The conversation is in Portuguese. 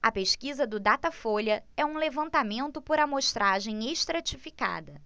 a pesquisa do datafolha é um levantamento por amostragem estratificada